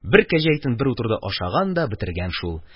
Бер кәҗә итен бер утыруда ашаган да бетергән шул